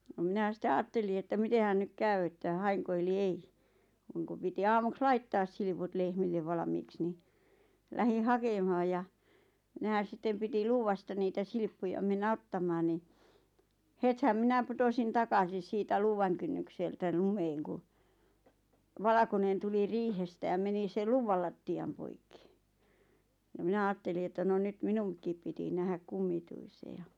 no minä sitten ajattelin että mitenhän nyt käy että haenko eli ei jonkun piti aamuksi laittaa silput lehmille valmiiksi niin lähdin hakemaan ja nehän sitten piti luuvasta niitä silppuja mennä ottamaan niin hetihän minä putosin takaisin siitä luuvan kynnykseltä lumeen kun valkoinen tuli riihestä ja meni sen luuvan lattian poikki ja minä ajattelin että no nyt minunkin piti nähdä kummituisen ja